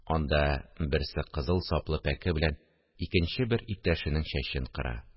Анда берсе кызыл саплы пәке белән икенче бер иптәшенең чәчен кыра